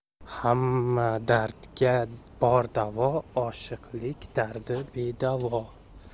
hamma dardga bor davo oshiqlik dardi bedavo